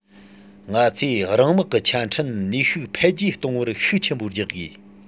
ང ཚོས རང དམག གི ཆ འཕྲིན ནུས ཤུགས འཕེལ རྒྱས གཏོང བར ཤུགས ཆེན པོ རྒྱག དགོས